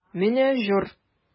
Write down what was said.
Менә җор!